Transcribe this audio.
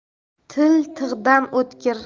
til tig'dan o'tkir